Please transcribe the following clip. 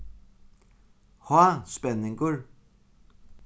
háspenningur